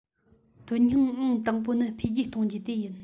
དོན སྙིང ཨང དང པོ ནི འཕེལ རྒྱས གཏོང རྒྱུ དེ ཡིན